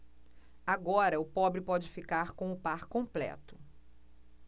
agora o pobre pode ficar com o par completo